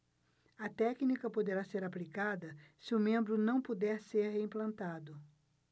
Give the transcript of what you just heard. a técnica poderá ser aplicada se o membro não puder ser reimplantado